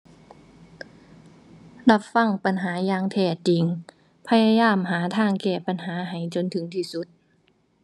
รับฟังปัญหาอย่างแท้จริง พยายามหาทางแก้ปัญหาให้จนถึงที่สุด